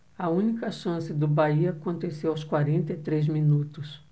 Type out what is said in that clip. a única chance do bahia aconteceu aos quarenta e três minutos